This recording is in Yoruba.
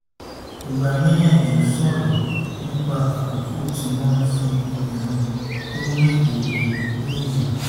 Agbaniníyànjú sọ̀rọ̀ nípa àkókò tí wọ́n sun obìnrin tó ń rìnde òru lóòyẹ̀.